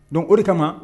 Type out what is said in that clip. Don o de kama